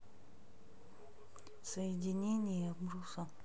соединение бруса